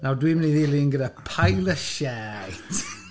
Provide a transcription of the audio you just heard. Nawr dwi'n mynd i ddilyn gyda pile o' shite .